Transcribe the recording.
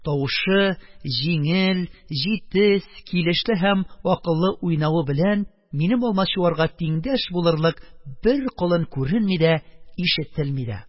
Тавышы, җиңел, җитез, килешле һам акыллы уйнавы белән минем алмачуарга тиңдәш булырлык бер колын күренми дә, ишетелми дә.